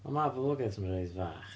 Wel ma' poblogaeth nhw reit fach.